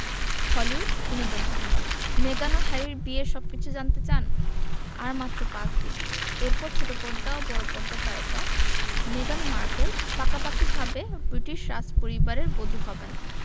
Hollywood বিনোদন সংবাদ মেগান ও হ্যারির বিয়ের সবকিছু জানতে চান আর মাত্র পাঁচ দিন এরপর ছোট পর্দা ও বড় পর্দার তারকা মেগান মার্কেল পাকাপাকিভাবে ব্রিটিশ রাজপরিবারের বধূ হবেন